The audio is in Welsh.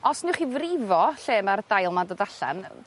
Os newch chi frifo lle ma'r dail 'ma dod allan